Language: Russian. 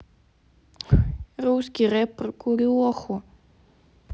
русский рэп про куреху